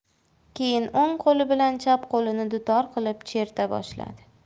keyin o'ng qo'li bilan chap qo'lini dutor qilib cherta boshladi